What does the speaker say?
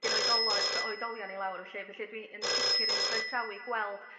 gyno oedl- oedolion i lawr felly dwi yn sicr yn croesawu gweld